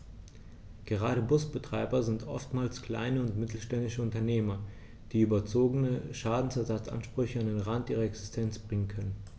Gerade Busbetreiber sind oftmals kleine und mittelständische Unternehmer, die überzogene Schadensersatzansprüche an den Rand ihrer Existenz bringen können.